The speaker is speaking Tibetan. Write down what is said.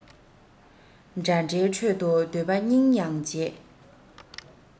འདྲ འདྲའི ཁྲོད དུ སྡོད པ སྙིང ཡང རྗེ